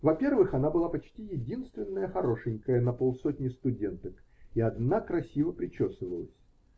Во-первых, она была почти единственная хорошенькая на полсотни студенток и одна красиво причесывалась